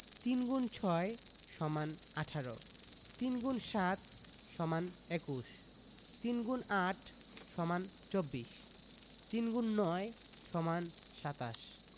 ৩ x ৬ = ১৮ ৩ × ৭ = ২১ ৩ X ৮ = ২৪ ৩ X ৯ = ২৭